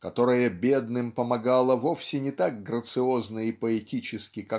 которая бедным помогала вовсе не так грациозно и поэтически